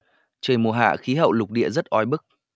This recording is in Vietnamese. trời mùa hạ khí hậu lục địa rất oi bức